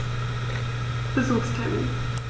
Besuchstermin